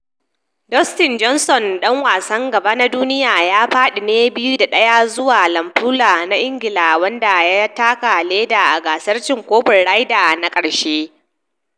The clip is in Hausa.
Dustin Johnson, dan wasan gaba na duniya, ya fadi ne 2 da 1 zuwa Ian Poulter na Ingila wanda ya taka leda a gasar cin kofin Ryder na karshe.